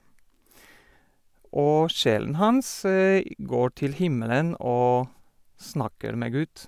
Og sjelen hans går til himmelen og snakker med Gud.